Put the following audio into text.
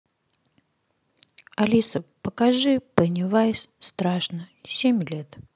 алиса покажи пеннивайз страшно семь лет